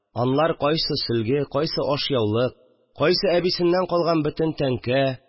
Анлар кайсы сөлге, кайсы ашъяулык, кайсы әбисеннән калган бөтен тәңкә